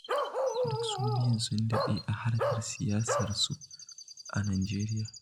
Duk su biyun sun daɗe a harkar siyasarsu a Najeriya.